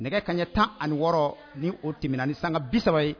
Nɛgɛ kaɲɛ tan ani wɔɔrɔ ni o tɛm ni sanga bi saba ye